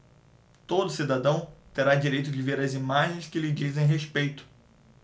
todo cidadão terá direito de ver as imagens que lhe dizem respeito